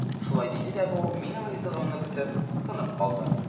Шулай диде дә бу, минем ризалыгымны көтеп, тынып калды.